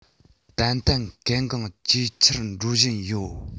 ཏན ཏན གལ འགངས ཇེ ཆེར འགྲོ བཞིན ཡོད